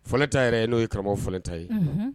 Flɛta yɛrɛ ye n'o ye karamɔgɔw flɛ ta ye